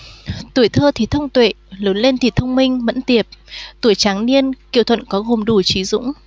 tuổi thơ thì thông tuệ lớn lên thì thông minh mẫn tiệp tuổi tráng niên kiều thuận có gồm đủ trí dũng